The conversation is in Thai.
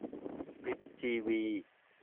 ปิดทีวี